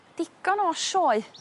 Digon o sioe.